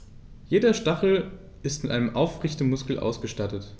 Jeder Stachel ist mit einem Aufrichtemuskel ausgestattet.